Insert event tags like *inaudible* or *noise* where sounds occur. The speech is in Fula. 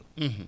*hesitation* *hesitation*